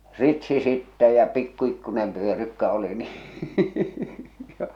ritsi sitten ja pikku pikkuinen pyörykkä oli niin